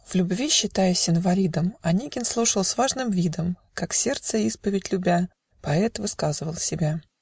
В любви считаясь инвалидом, Онегин слушал с важным видом, Как, сердца исповедь любя, Поэт высказывал себя